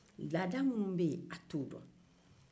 a t'olu ka laadaw dɔn